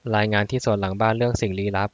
รายงานที่สวนหลังบ้านเรื่องสิ่งลี้ลับ